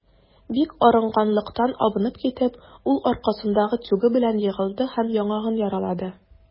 Бик арыганлыктан абынып китеп, ул аркасындагы тюгы белән егылды һәм яңагын яралады.